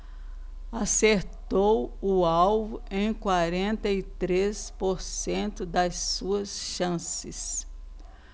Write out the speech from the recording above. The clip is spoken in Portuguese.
acertou o alvo em quarenta e três por cento das suas chances